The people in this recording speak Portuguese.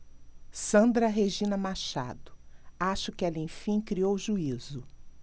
sandra regina machado acho que ela enfim criou juízo